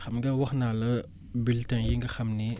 xam nga wax naa la bulletins yi nga xam ni